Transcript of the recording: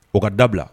O ka dabila.